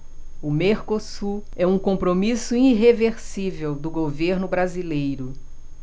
o mercosul é um compromisso irreversível do governo brasileiro